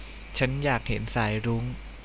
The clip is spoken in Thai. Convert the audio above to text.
ฉันอยากเห็นสายรุ้ง